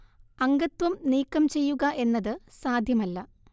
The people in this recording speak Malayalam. അംഗത്വം നീക്കം ചെയ്യുക എന്നത് സാധ്യമല്ല